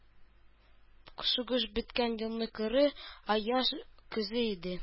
Сугыш беткән елның коры, аяз көзе иде.